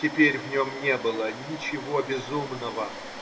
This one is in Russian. теперь в нем не было ничего безумного.